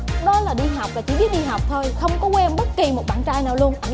đó là đi học và chỉ biết đi học thôi không có quen bất kỳ một bạn trai nào luôn